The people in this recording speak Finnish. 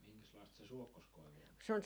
minkäslaista se suokkoskoivu on